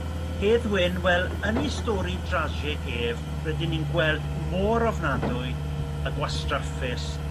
Hedd Wyn wel yn i stori drasig ef rydyn ni'n gweld mor ofnadwy a gwastraffus